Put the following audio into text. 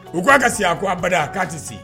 U k ko aa ka se a ko a ba k'a tɛ sigi